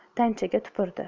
tanchaga tupurdi